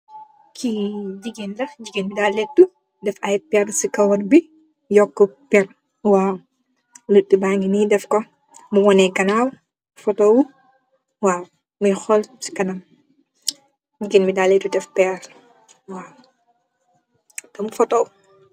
Kii gigain la, gigain bii daa lehtu deff aiiy perrr cii karaw bii, yohku perrr waw, lehtu baangy nii deff kor, mu woneh ganaw photo wu waw, mui horl chi kanam, mu jendue daal yu nju deff perrr deff peer waw teh mu photo wu.